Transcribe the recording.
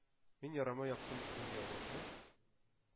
Мин ярама яптым ул яулыкны